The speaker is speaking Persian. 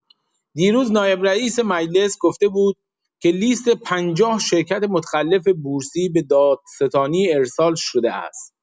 دیروز نایب‌رئیس مجلس گفته بود، که لیست ۵۰ شرکت متخلف بورسی به دادستانی ارسال‌شده است.